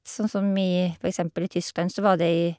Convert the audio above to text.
t Sånn som i for eksempel i Tyskland så var det i...